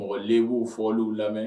Mɔgɔ b'u fɔ olu'u lamɛn